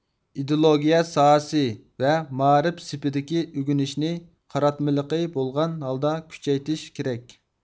ئىدېئولوگىيە ساھەسى ۋە مائارىپ سېپىدىكى ئۆگىنىشنى قاراتمىلىقى بولغان ھالدا كۈچەيتىش كېرەك